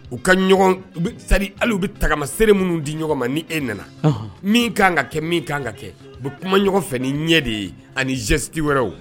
U ka ɲɔgɔn u bɛ c'est à dire hali u bɛ tagama seere minnu di ɲɔgɔn ma ni e nana, Ɔnhɔn, min ka kan ka kɛ min ka kan ka kɛ u bɛ kuma ɲɔgɔn fɛ ni ɲɛ de ye ani gestes wɛrɛw.